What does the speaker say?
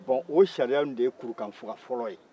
bon o sayira ninnu de ye kurukanfuga fɔlɔ ye